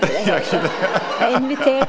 jeg har ikke det .